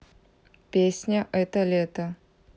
песня это лето